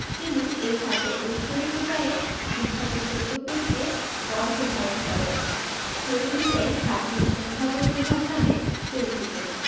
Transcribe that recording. তিনি এই ঘাটে ঐশ্বরিক উপায়ে বিখ্যাত সত্যপীরকে গর্ভে ধারণ করেন সে অনুযায়ী ঘাটটি সন্ধ্যাবতীর ঘাট নামে পরিচিত